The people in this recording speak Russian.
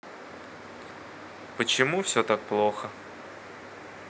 почему все так плохо